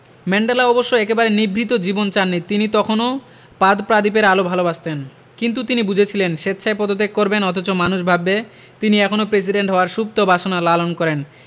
Mandela অবশ্য একেবারে নিভৃত জীবন চাননি তিনি তখনো পাদপ্রাদীপের আলো ভালোবাসতেন কিন্তু তিনি বুঝেছিলেন স্বেচ্ছায় পদত্যাগ করবেন অথচ মানুষ ভাববে তিনি এখনো প্রেসিডেন্ট হওয়ার সুপ্ত বাসনা লালন করেন